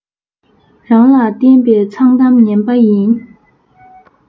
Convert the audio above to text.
རང ལ བརྟེན པའི མཚང གཏམ ངན པ ཡིན